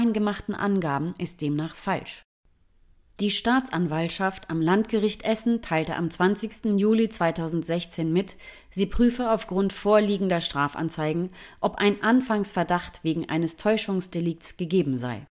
gemachten Angaben ist demnach falsch. Die Staatsanwaltschaft am Landgericht Essen teilte am 20. Juli 2016 mit, sie prüfe aufgrund vorliegender Strafanzeigen, ob ein Anfangsverdacht wegen eines Täuschungsdelikts gegeben sei